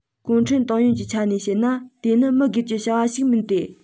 གུང ཁྲན ཏང ཡོན གྱི ཆ ནས བཤད ན དེ ནི མི སྒེར གྱི བྱ བ ཞིག མིན ཏེ